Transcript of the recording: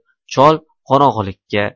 chol qorong'ilikka